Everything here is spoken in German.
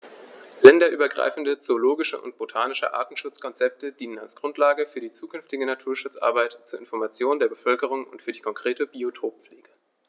Länderübergreifende zoologische und botanische Artenschutzkonzepte dienen als Grundlage für die zukünftige Naturschutzarbeit, zur Information der Bevölkerung und für die konkrete Biotoppflege.